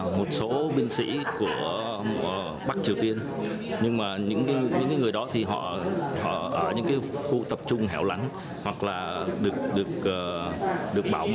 một số binh sĩ của bắc triều tiên nhưng mà những người đó thì họ họ ở những cai khu tập trung hẻo lánh hoặc là được được được bảo mật